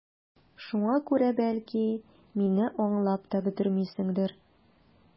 Шуңа күрә, бәлки, мине аңлап та бетермисеңдер...